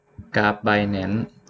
กราฟไบแนนซ์